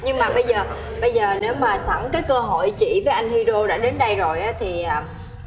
nhưng mà bây giờ bây giờ nếu mà sẵn cái cơ hội chị với anh di rô đã đến đây rồi á thì